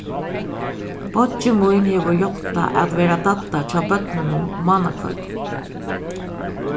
beiggi mín hevur játtað at vera dadda hjá børnunum mánakvøldið